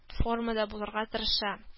Формада булырга тырыша